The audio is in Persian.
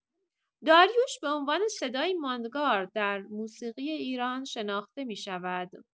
داریوش به عنوان صدایی ماندگار در موسیقی ایران شناخته می‌شود.